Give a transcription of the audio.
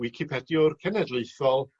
wicipediwr cenedlaethol